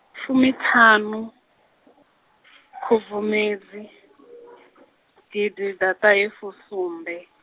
fumiṱhanu, Khubvumedzi, gidiḓaṱahefusumbe.